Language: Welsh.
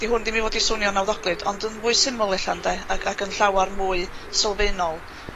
dyw hwn ddim i fod i swnio'n nawddoglyd ond yn fwy syml ella ynde ag ag yn llawar mwy sylfaenol.